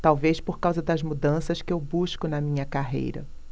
talvez por causa das mudanças que eu busco na minha carreira